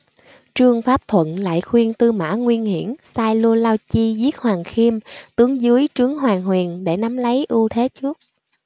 trương pháp thuận lại khuyên tư mã nguyên hiển sai lưu lao chi giết hoàn khiêm tướng dưới trướng hoàn huyền để nắm lấy ưu thế trước